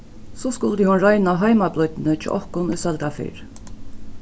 so skuldi hon royna heimablídnið hjá okkum í søldarfirði